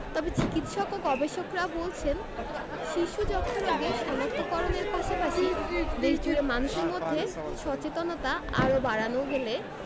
তবে চিকিৎসক ও গবেষকরা বলছেন শিশু যক্ষ্ণারোগী শনাক্ত করণের পাশাপাশি দেশজুড়ে মানুষের মধ্যে সচেতনতা আরও বাড়ানো গেলে